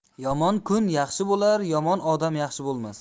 yomon kun yaxshi bo'lar yomon odam yaxshi bo'lmas